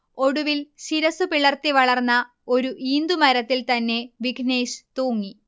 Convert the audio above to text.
ഒടുവിൽ ശിരസുപിളർത്തി വളർന്ന ഒരു ഈന്തു മരത്തിൽ തന്നെ വിഘ്നേശ് തൂങ്ങി